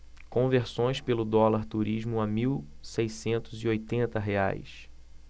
conversões pelo dólar turismo a mil seiscentos e oitenta reais